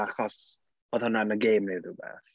achos oedd hwnna yn y game neu rhywbeth.